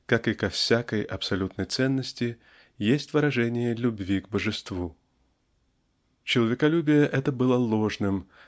как и ко всякой абсолютной ценности есть выражение любви к Божеству. Человеколюбие это было ложным